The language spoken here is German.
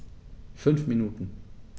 5 Minuten